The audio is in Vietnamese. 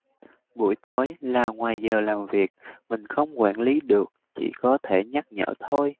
buổi tối là ngoài giờ làm việc mình không quản lý được chỉ có thể nhắc nhở thôi